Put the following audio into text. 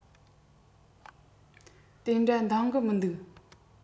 དེ འདྲ འདང གི མི འདུག